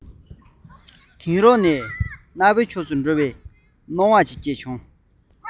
དེང རབས ནས གནའ བོའི ཕྱོགས སུ འགྲོ བའི སྣང བ སྐྱེས